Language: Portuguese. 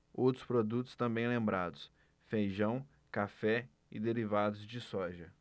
outros produtos também lembrados feijão café e derivados de soja